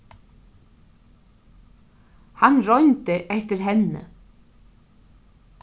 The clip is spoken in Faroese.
hann royndi eftir henni